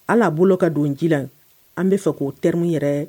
hal'a bolo ka don ji la, an bɛ fɛ k'o terme yɛrɛ